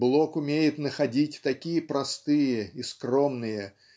Блок умеет находить такие простые и скромные